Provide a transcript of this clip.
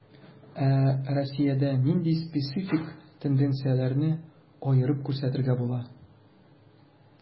Ә Россиядә нинди специфик тенденцияләрне аерып күрсәтергә була?